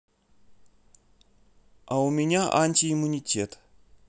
а у меня анти иммунитет